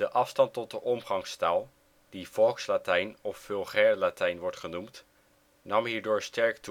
afstand tot de omgangstaal, die volkslatijn of vulgair Latijn wordt genoemd, nam hierdoor sterk